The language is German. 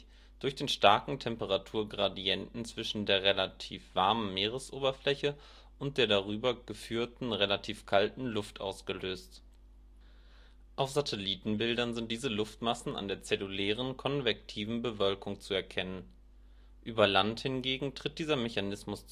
der relativ warmen Meeresoberfläche und der darüber geführten relativ kalten Luft ausgelöst. Auf Satellitenbildern sind diese Luftmassen an der zellulären konvektiven Bewölkung deutlich zu erkennen. Über Land hingegen tritt dieser Mechanismus